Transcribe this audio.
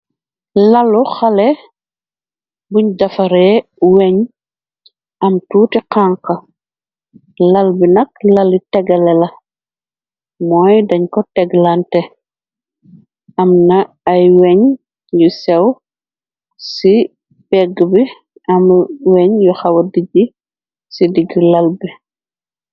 Lalu xale buñ dafare weñ am tuuti xanke lal bi nak lali tegale la mooy dañ ko teglante am na ay weñ yu sew ci pegge bi am weñ yu xawa dijji ci digi lal bi.